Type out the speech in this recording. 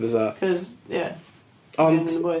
Fatha... Achos ie. ... Ond...